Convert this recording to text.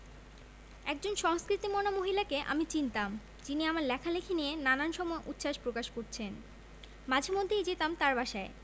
একজন সংস্কৃতি মনা মহিলাকে আমি চিনতাম যিনি আমার লেখালেখি নিয়ে নানান সময় উচ্ছাস প্রকাশ করছেন মাঝে মধ্যেই যেতাম তার বাসায়